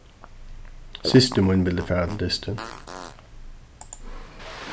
systir mín vildi fara til dystin